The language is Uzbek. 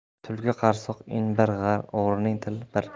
tulki qarsoq ini bir g'ar o'g'rining till bir